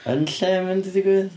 Yn lle ma' hyn 'di digwydd?